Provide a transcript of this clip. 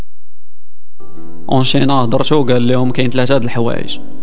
نادر شوقي اليوم ثلاث الحوائج